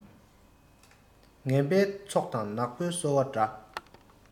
ངན པའི ཚོགས དང ནག པོའི སོལ བ འདྲ